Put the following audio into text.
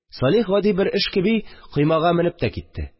Салих, гади бер эш кеби, коймага менеп тә китте